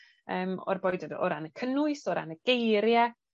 yym o'r gwared iddo o ran y cynnwys, o ran y geirie,